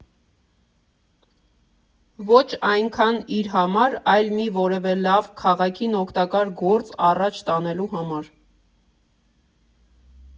Ոչ այնքան իր համար, այլ մի որևէ լավ, քաղաքին օգտակար գործ առաջ տանելու համար։